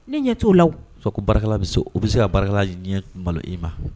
Ne ɲɛ t' la ko barika bɛ se u bɛ se ka bara di malo i ma